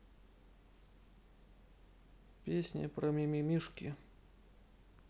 песня про мимимишки